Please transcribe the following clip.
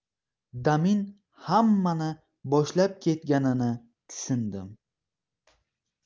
damin hammani boshlab ketganini tushundim